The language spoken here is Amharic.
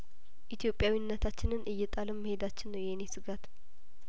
ኢትዮጵያዊ ነታችንን እየጣልን መሄዳችን ነው የእኔ ስጋት